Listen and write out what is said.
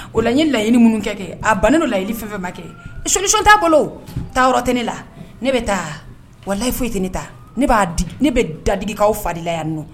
O la ye layiɲini minnu kɛ kɛ a bannen layili fɛn fɛnba kɛ solition t'a bolo taayɔrɔ tɛ ne la ne bɛ taa wa lafiyi foyisi tɛ ne ta ne'a di ne bɛ dadeigikaw fa la yan n